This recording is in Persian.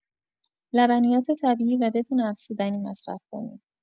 لبنیات طبیعی و بدون افزودنی مصرف کنید.